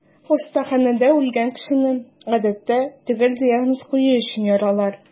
Хастаханәдә үлгән кешене, гадәттә, төгәл диагноз кую өчен яралар.